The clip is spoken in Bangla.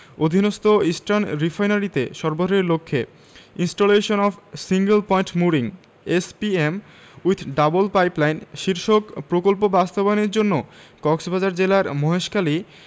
অধীনস্থ ইস্টার্ন রিফাইনারিতে সরবরাহের লক্ষ্যে installation of single point mooring SPM with double pipeline শীর্ষক প্রকল্প বাস্তবায়নের জন্য কক্সবাজার জেলার মহেশখালী